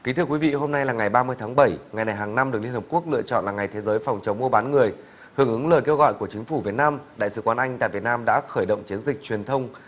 kính thưa quý vị hôm nay là ngày ba mươi tháng bảy ngày này hàng năm được liên hiệp quốc lựa chọn là ngày thế giới phòng chống mua bán người hưởng ứng lời kêu gọi của chính phủ việt nam đại sứ quán anh tại việt nam đã khởi động chiến dịch truyền thông